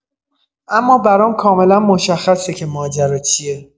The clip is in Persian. اما برام کاملا مشخصه که ماجرا چیه.